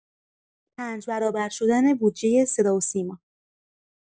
۵ برابر شدن بودجۀ صداوسیما